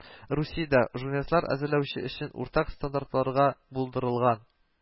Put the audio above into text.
Русиядә журналистлар әзерләү өчен уртак стандартларга булдырылган